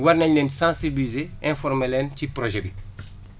war nañu leen sensibiliser informer leen ci projet bi